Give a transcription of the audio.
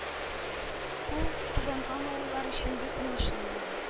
Ул түбәнкамалылар өчен бик уңышлы булды.